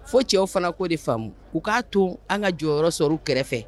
Fɔ cɛw fana ko de faamu u k'a to an ka jɔyɔrɔyɔrɔ sɔrɔ kɛrɛfɛ